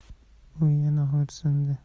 u yana xo'rsindi